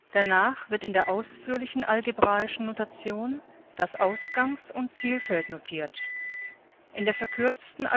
Danach wird in der ausführlichen algebraischen Notation das Ausgangs - und Zielfeld notiert; in der verkürzten